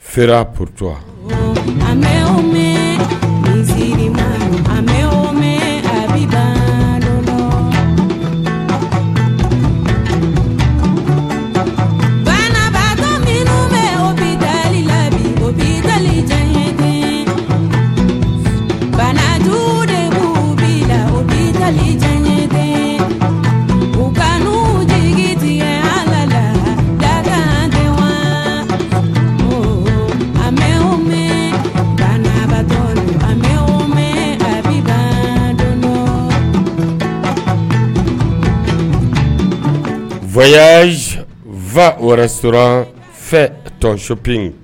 Feere ptura a bɛ bɛ siri ma a bɛ a bɛ taa banabato min bɛ u bɛ ntalen la u bɛ ntalen ja banadugu de u bɛ la u bɛ ntalen ja den u ka n jigin tigɛ a la la ka a bɛ bɛ mɛn a bɛ taa dunun vya fa sɔrɔuran fɛ tɔsoɔfin